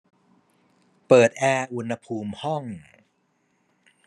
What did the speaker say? เปิดแอร์อุณหภูมิห้อง